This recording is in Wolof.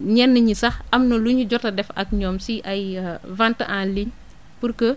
ñenn ñi sax am na lu ñu jot a def ak ñoom si ay ventes en ligne pour que